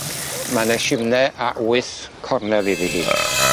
Ma' 'ne shimne a wyth cornel iddi hi.